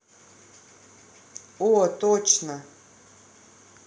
о точно